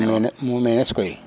mumenes koy